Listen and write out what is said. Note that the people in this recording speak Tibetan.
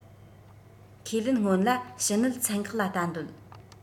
ཁས ལེན སྔོན ལ ཕྱི ནད ཚན ཁག ལ བལྟ འདོད